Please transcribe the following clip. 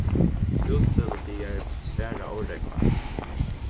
útsøludagar bara órógva